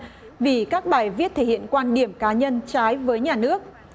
vì các bài viết thể hiện quan điểm cá nhân trái với nhà nước